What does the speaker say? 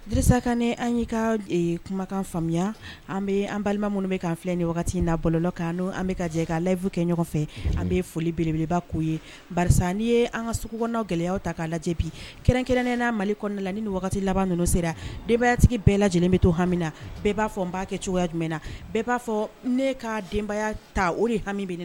Sakan an y'i ka kumakan faamuya an bɛ an balima minnu bɛ kan filɛ ni wagati in na bɔlɔ kan n' an bɛ ka jɛ ka lafiyiuru kɛ ɲɔgɔn fɛ an bɛ foli belebelebako ye par n ni ye an ka sugukɔnɔ gɛlɛya ta k'a lajɛ bi kɛrɛnkɛrɛnnenna mali kɔnɔna la ni wagati laban ninnu sera denbaya tigi bɛɛ lajɛlen bɛ to hami na bɛɛ b'a fɔ n b'a kɛ cogoya jumɛn na bɛɛ b'a fɔ ne ka denbaya ta o de hami